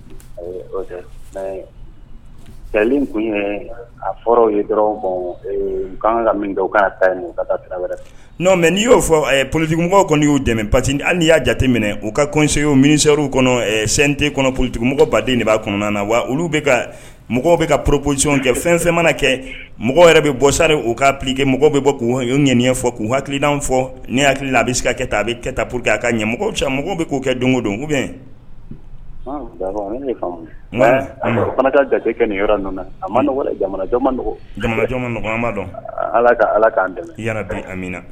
A mɛ n'i y'o fɔ polidimɔgɔ kɔni y' dɛmɛ pa que hali y'a jate minɛ u ka kɔɲɔsew miniriw kɔnɔ sente kɔnɔ polijugumɔgɔ baden de b'a kɔnɔna na wa olu mɔgɔw bɛ ka poropolizsiyɔn kɛ fɛn fɛn mana kɛ mɔgɔw yɛrɛ bɛ bɔsari u kaa pke mɔgɔ bɛ bɔ k'u' ɲ fɔ k'u hakili fɔ ne hakilila a bɛ se ka kɛ ta a bɛ kɛta pur a ka ɲɛ mɔgɔw mɔgɔw bɛ k'u kɛ don don bɛn binmina